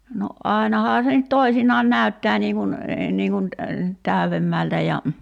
no ainahan se nyt toisinaan näyttää niin kuin niin kuin nyt täydemmältä ja